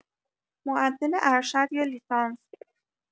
معدل ارشد یا لیسانس؟